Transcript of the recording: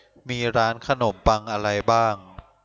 มีร้านขนมปังอะไรบ้าง